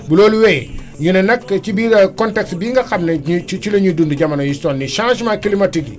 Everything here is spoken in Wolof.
bu loolu wéyee ñu ne nag ci biir contexte bi nga xam ne ñu ci ci la ñuy dund jamono yiñ toll nii changement climatique yi